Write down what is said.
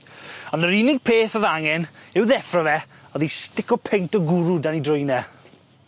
ond yr unig peth o'dd angen, i'w ddeffro fe, o'dd i stico peint o gwrw dan 'i drwyn e.